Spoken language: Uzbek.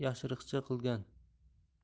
ishni yashiriqcha qilgan